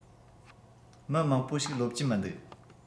མི མང པོ ཞིག ལོབས ཀྱིན མི འདུག